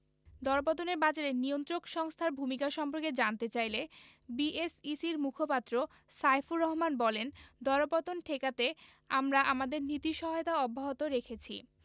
দরপতনের বাজারে নিয়ন্ত্রক সংস্থার ভূমিকা সম্পর্কে জানতে চাইলে বিএসইসির মুখপাত্র সাইফুর রহমান বলেন দরপতন ঠেকাতে আমরা আমাদের নীতি সহায়তা অব্যাহত রেখেছি